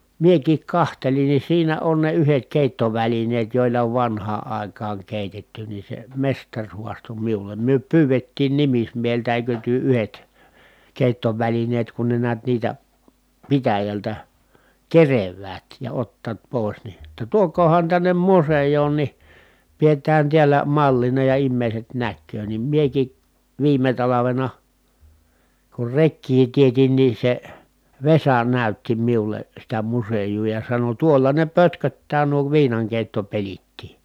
minäkin katselin niin siinä on ne yhdet keittovälineet joilla on vanhaan aikaan keitetty niin se mestari haastoi minulle me pyydettiin nimismieheltä eikö te yhdet keittovälineet kun ne näet niitä pitäjältä keräävät ja ottavat pois niin jotta tuokaahan tänne museoon niin pidetään täällä mallina ja ihmiset näkee niin minäkin viime talvena kun rekeä teetin niin se Vesa näytti minulle sitä museota ja sanoi tuolla ne pötköttää nuo viinankeittopelitkin